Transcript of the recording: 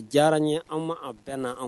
Diyara n ye an ma a bɛɛ na